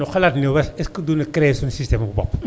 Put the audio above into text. nu xalaat ne est ce que dunu crée sunu système mu bopp